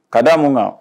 Ka di' a mun kan